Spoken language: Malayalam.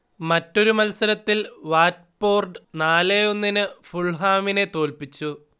മറ്റൊരു മത്സരത്തിൽ വാറ്റ്പോര്‍ഡ് നാലേ ഒന്നിന് ഫുൾഹാമിനെ തോൽപ്പിച്ചു